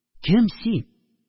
Кем син